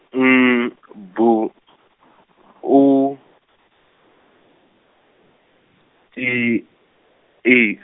M B U T I.